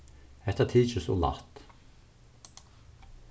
hetta tykist ov lætt